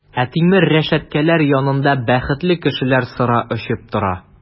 Ә тимер рәшәткәләр янында бәхетле кешеләр сыра эчеп тора!